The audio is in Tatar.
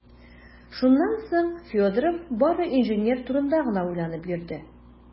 Шуннан соң Федоров бары инженер турында гына уйланып йөрде.